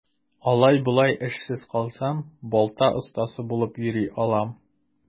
Алай-болай эшсез калсам, балта остасы булып йөри алам.